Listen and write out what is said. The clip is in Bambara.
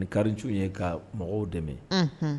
Ni karic ye ka mɔgɔw dɛmɛ